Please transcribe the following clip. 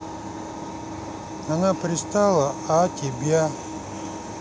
она пристала а тебя